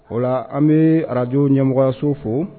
O la an bɛ ararajo ɲɛmɔgɔso fo